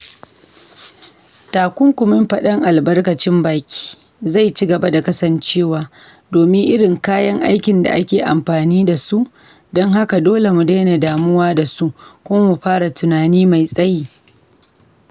Takunkumin faɗar albarkacin baki zai ci gaba da kasancewa, komai irin kayan aikin da ake amfani da su, don haka dole mu daina damuwa da su kuma mu fara tunani mai tsayi.